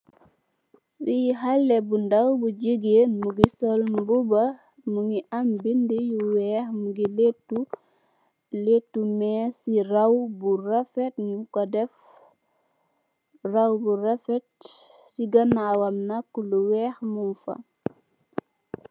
Li haleh bu ndaw bu njegen mungi sol mbuba mungi am bindi yu wheh mungi lehtu, lehtu mess si raw bu rafet mung ko def raw bu rafet si ganawam nak lu wheh mung fa.